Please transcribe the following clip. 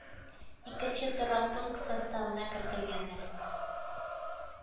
Икенче торак пункт составына кертелгәннәр